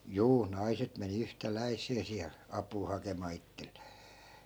juu naiset meni yhtäläiseen siellä apua hakemaan itselleen